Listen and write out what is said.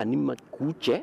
Ani ma'u cɛ